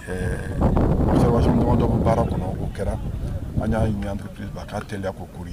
Ɛɛ masa wasomɔgɔ dɔ baara kɔnɔ o kɛra an y'a ɲ k'a teliya ko kori